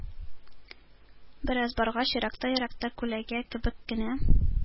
Бераз баргач, еракта-еракта күләгә кебек кенә